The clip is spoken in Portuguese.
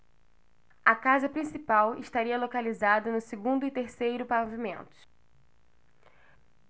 a casa principal estaria localizada no segundo e terceiro pavimentos